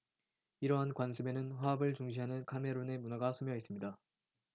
이러한 관습에는 화합을 중시하는 카메룬의 문화가 스며 있습니다